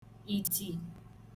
ìtì